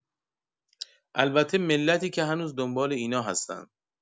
البته ملتی که هنوز دنبال اینا هستن